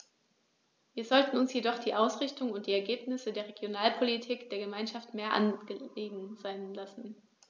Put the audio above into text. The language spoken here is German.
Wir sollten uns jedoch die Ausrichtung und die Ergebnisse der Regionalpolitik der Gemeinschaft mehr angelegen sein lassen.